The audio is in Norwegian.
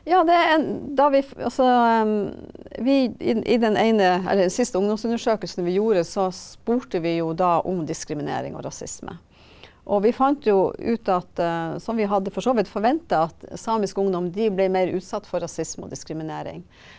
ja det er da vi altså vi i i den ene eller den siste ungdomsundersøkelsen vi gjorde så spurte vi jo da om diskriminering og rasisme, og vi fant jo ut at som vi hadde for så vidt forventa at samisk ungdom, de blei mer utsatt for rasisme og diskriminering.